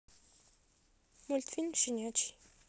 мультфильм щенячий